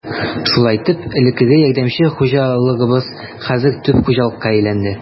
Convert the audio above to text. Шулай итеп, элеккеге ярдәмче хуҗалыгыбыз хәзер төп хуҗалыкка әйләнде.